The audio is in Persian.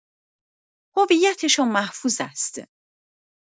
هویتشان محفوظ است.